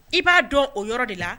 I b'a dɔn o yɔrɔ de la